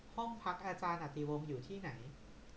ห้องพักอาจารย์อติวงศ์อยู่ที่ไหน